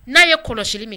N'a ye kɔlɔsi min